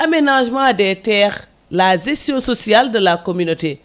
aménagement des terres la gestion sociale de la communauté